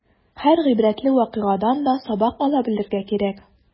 Һәр гыйбрәтле вакыйгадан да сабак ала белергә кирәк.